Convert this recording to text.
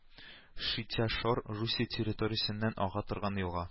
Шитя-Шор Русия территориясеннән ага торган елга